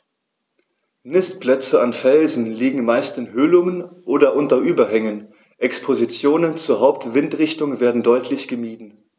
Nistplätze an Felsen liegen meist in Höhlungen oder unter Überhängen, Expositionen zur Hauptwindrichtung werden deutlich gemieden.